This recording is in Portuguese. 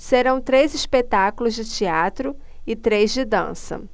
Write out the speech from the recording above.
serão três espetáculos de teatro e três de dança